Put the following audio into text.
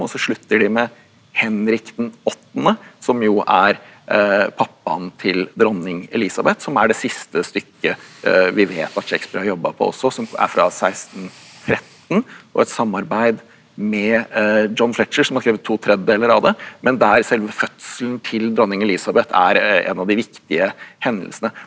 og så slutter de med Henrik den åttende som jo er pappaen til dronning Elizabeth som er det siste stykket vi vet at Shakespeare har jobbet på også som er fra 1613 og et samarbeid med John Fletcher som har skrevet to tredjedeler av det men der selve fødselen til dronning Elizabeth er en av de viktige hendelsene.